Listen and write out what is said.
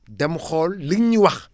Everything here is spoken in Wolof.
dem xool li nga ñu wax